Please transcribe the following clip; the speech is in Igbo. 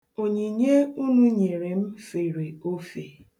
Onyinye unu nyere m fere ofe.